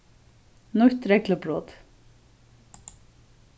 nýtt reglubrot